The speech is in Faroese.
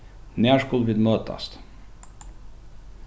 nær skulu vit møtast